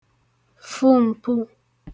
fu m̀pụ